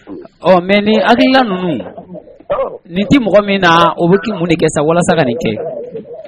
Ɔ mais ni hakilila nunnu awo nin ti mɔgɔ min na o be ki mun de kɛ sa walasa ka nin kɛ